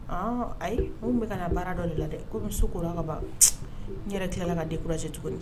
Ayi mun bɛka ka baara dɔ de la dɛ kɔmi so ko ka ban n yɛrɛ tilala ka denkurase tuguni